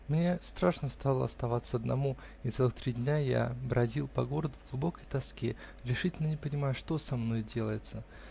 Мне страшно стало оставаться одному, и целых три дня я бродил по городу в глубокой тоске, решительно не понимая, что со мной делается.